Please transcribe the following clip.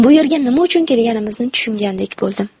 bu yerga nima uchun kelganimizni tushungandek bo'ldim